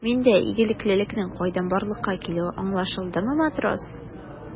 Миндә игелеклелекнең кайдан барлыкка килүе аңлашылдымы, матрос?